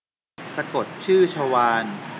สะกดชื่อชวาล